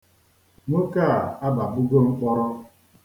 Nwoke a ababugo mkpọrọ.